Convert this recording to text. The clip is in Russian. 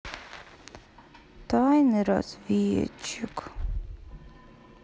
тайный разведчик